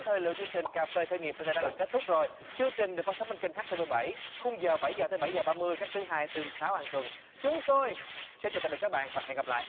thời lượng chương trình cà phê khởi nghiệp đến đây đã là kết thúc rồi chương trình được phát sóng trên kênh hát tê vê bảy khung giờ bảy giờ tới bảy giờ ba mươi các thứ hai tư sáu hàng tuần chúng tôi xin chào tạm biệt các bạn và hẹn gặp lại